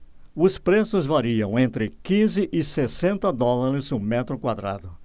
os preços variam entre quinze e sessenta dólares o metro quadrado